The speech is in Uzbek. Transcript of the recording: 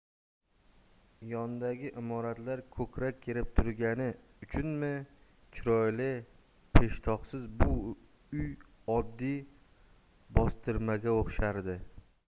yondagi imoratlar ko'krak kerib turgani uchunmi chiroyli peshtoqsiz bu uy oddiy bostirmaga o'xshardi